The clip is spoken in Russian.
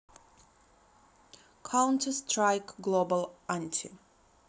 counter strike global anti